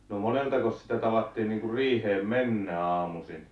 no moneltakos sitä tavattiin niin kuin riiheen mennä aamuisin